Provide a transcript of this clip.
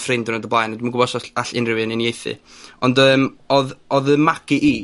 ffrind diwrnod o blaen, dwi'm yn gwbo os a- all unryw un uniaethu, ond yym odd odd 'ym magu i